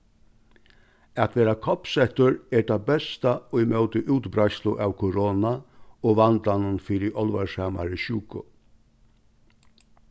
at verða koppsettur er tað besta ímóti útbreiðslu av korona og vandanum fyri álvarsamari sjúku